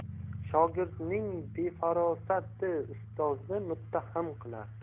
shogirdning befarosati ustozni muttaham qilar